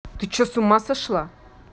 ты че с ума сошла